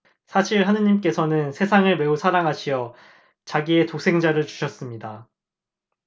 사실 하느님께서는 세상을 매우 사랑하시어 자기의 독생자를 주셨습니다